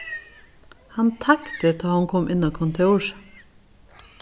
hann tagdi tá hon kom inn á kontórið